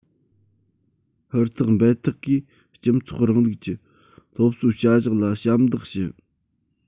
ཧུར ཐག འབད ཐག གིས སྤྱི ཚོགས རིང ལུགས ཀྱི སློབ གསོའི བྱ གཞག ལ ཞབས འདེགས ཞུ